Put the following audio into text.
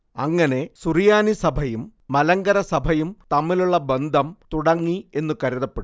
അങ്ങനെ സുറിയാനി സഭയും മലങ്കര സഭയും തമ്മിലുള്ള ബന്ധം തുടങ്ങി എന്ന് കരുതപ്പെടുന്നു